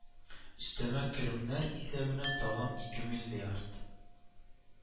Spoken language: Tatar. Өстәмә керемнәр исәбенә тагын ике миллиард